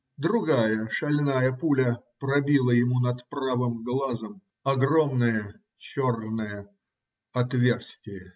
Другая шальная пуля пробила ему над правым глазом огромное черное отверстие.